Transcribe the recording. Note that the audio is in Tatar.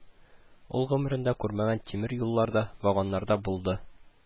Ул гомерендә күрмәгән тимер юлларда, вагоннарда булды